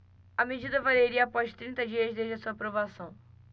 a medida valeria após trinta dias desde a sua aprovação